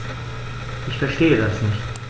Ich verstehe das nicht.